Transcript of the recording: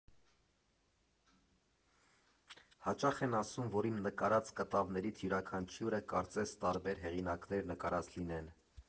Հաճախ են ասում, որ իմ նկարած կտավներից յուրաքանչյուրը կարծես տարբեր հեղինակներ նկարած լինեն։